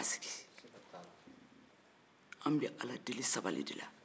anw bɛ ala deli sabali de la